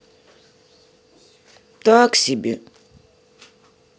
так себе